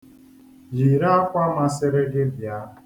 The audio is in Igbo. Yiri akwa masịrị gị bịa.